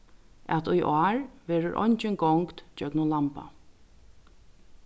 at í ár verður eingin gongd gjøgnum lamba